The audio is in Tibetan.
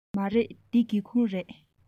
མ རེད འདི སྒེའུ ཁུང རེད